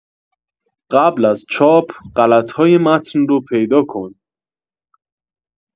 قبل از چاپ غلط‌های متن رو پیدا کن